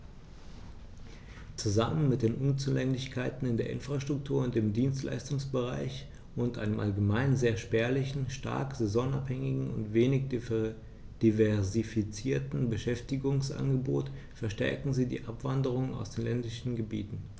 Zusammen mit den Unzulänglichkeiten in der Infrastruktur und im Dienstleistungsbereich und einem allgemein sehr spärlichen, stark saisonabhängigen und wenig diversifizierten Beschäftigungsangebot verstärken sie die Abwanderung aus den ländlichen Gebieten.